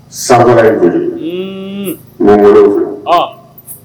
Sara mɔgolo h